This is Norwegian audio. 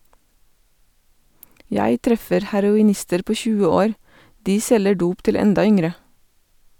Jeg treffer heroinister på 20 år, de selger dop til enda yngre.